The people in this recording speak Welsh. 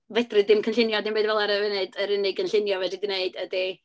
Fedri di'm cynllunio dim byd fela ar y funud. Yr unig gynllunio fedri di wneud ydy